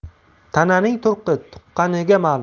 tananing turqi tuqqaniga ma'lum